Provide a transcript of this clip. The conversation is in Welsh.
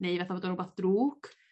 neu fatha bod o rwbath drwg.